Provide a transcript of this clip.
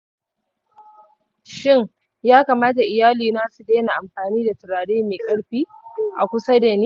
shin ya kamata iyalina su daina amfani da turare mai ƙarfi a kusa da ni?